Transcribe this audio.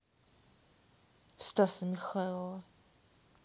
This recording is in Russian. стаса михайлова